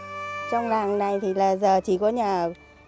trong làng này thì là giờ chỉ có nhà